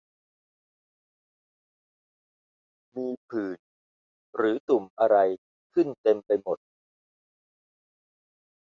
มีผื่นหรือตุ่มอะไรขึ้นเต็มไปหมด